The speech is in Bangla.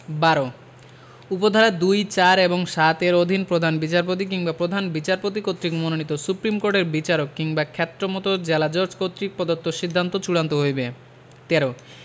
১২ উপ ধারা ২ ৪ এবং ৭ এর অধীন প্রধান বিচারপতি কিংবা প্রধান বিচারপতি কর্তৃক মনোনীত সুপ্রীম কোর্টের বিচারক কিংবা ক্ষেত্রমত জেলাজজ কর্তৃক প্রদত্ত সিদ্ধান্ত চূড়ান্ত হইবে ১৩